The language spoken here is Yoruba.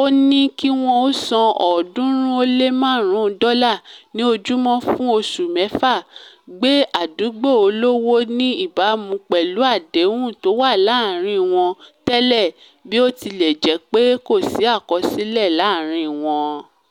Ó ní kí wọ́n san 350 dọlà ní ojúmọ́ fun oṣù mẹ́fà, gbé àdúgbò olówó ní ìbámu pẹ̀lú àdéhùn tó wà láàrin wọn tẹ́lẹ̀ bí ó tilẹ̀ jẹ́ pé kò sí àkọsílẹ̀ láàárin wọn.